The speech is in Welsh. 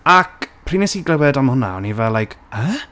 Ac pryd wnes i glywed am hwnna, o'n i fel, like, yy?